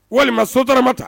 Walima sotura ma taa